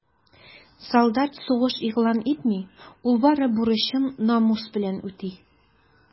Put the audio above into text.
Солдат сугыш игълан итми, ул бары бурычын намус белән үти.